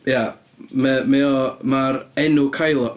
Ia, mae o mae o... mae'r enw Kylo...